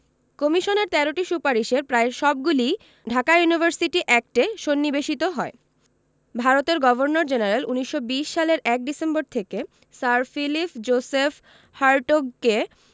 কমিশনের ১৩টি সুপারিশের প্রায় সবগুলিই ঢাকা ইউনিভার্সিটি অ্যাক্টে সন্নিবেশিত হয় ভারতের গভর্নর জেনারেল ১৯২০ সালের ১ ডিসেম্বর থেকে স্যার ফিলিপ জোসেফ হার্টগকে